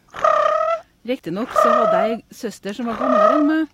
Riktig nok så hadde jeg ei g søster som var gamlere enn meg.